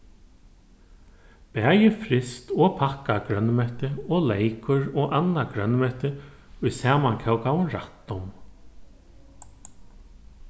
bæði fryst og pakkað grønmeti og leykur og annað grønmeti í samankókaðum rættum